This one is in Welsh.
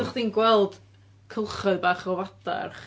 O' chdi'n gweld cylchoedd bach o fadarch.